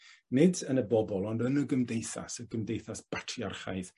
nid yn y bobol ond yn y gymdeithas y gymdeithas batriarchaidd